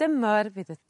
dymor fydd y